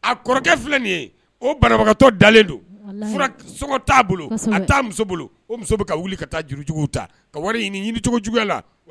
A kɔrɔkɛ filɛ nin ye o banabagatɔ dalen don t'a bolo a muso bolo o muso bɛ ka wuli ka taa jurujugu ta ka wari ɲinicogo juguya